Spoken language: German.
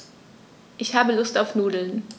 Ich habe Lust auf Nudeln.